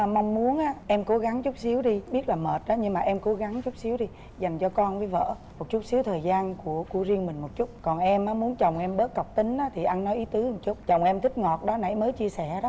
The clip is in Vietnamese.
mong muốn á em cố gắng chút xíu đi biết là mệt đó nhưng mà em cố gắng chút xíu đi dành cho con với vợ một chút xíu thời gian của của riêng mình một chút còn em á muốn chồng em bớt cọc tính á thì ăn nói ý tứ một chút chồng em thích ngọt đó nãy mới chia sẻ đó